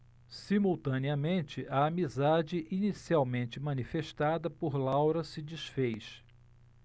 simultaneamente a amizade inicialmente manifestada por laura se disfez